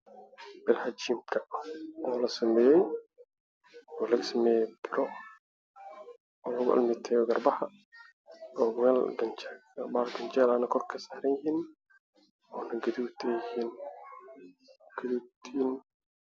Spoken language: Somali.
Meeshaan waxay yaalo biraha lagu aalamiyateeyo qalabka birahana waa madow